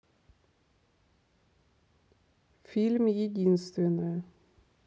фильм единственная